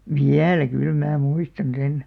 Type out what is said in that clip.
vielä kyllä minä muistan sen